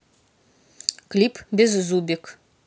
клип беззубик